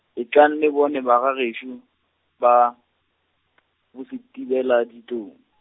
etlang le bone ba ga gešo ba , boSethibeladitlou.